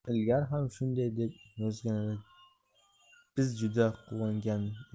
ilgari ham shunday deb yozganida biz juda quvongan edik